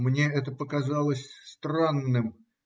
Мне это показалось странным.